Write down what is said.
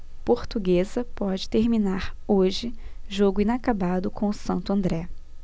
portuguesa pode terminar hoje jogo inacabado com o santo andré